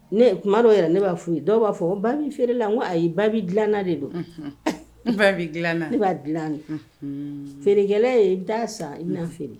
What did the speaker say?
Ne kuma dɔw yɛrɛ ne b' f fɔ ye dɔw b'a fɔ ba bɛ feerela ko ayi ba bɛ dilana de don ba bɛ dila ne b'a dila de feerekɛla ye da san i' feere